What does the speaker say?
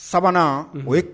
Sabanan o ye